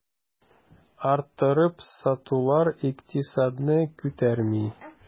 Арттырып сатулар икътисадны күтәрми.